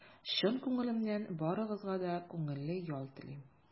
Чын күңелемнән барыгызга да күңелле ял телим!